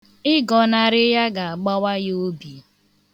Ịgọnarị ya ga-agbawa ya obi.